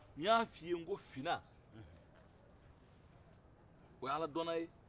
n y'a f'i ye ko finɛ o ye aladɔnna ye